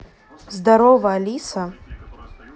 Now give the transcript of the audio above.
здорова алиса